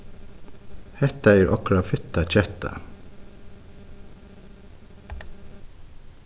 hetta er okra fitta ketta